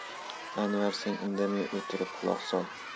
anvar sen indamay o'tirib quloq sol